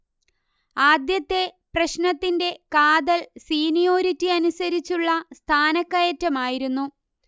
ആദ്യത്തെ പ്രശ്നത്തിന്റെ കാതൽ സീനിയോരിറ്റി അനുസരിച്ചുള്ള സ്ഥാനക്കയറ്റമായിരുന്നു